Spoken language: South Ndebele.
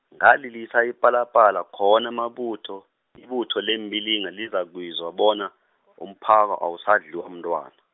ngalilisa ipalapala khona amabutho, ibutho leembiliga lizakwizwa bona, umphako awusadliwa mntwana.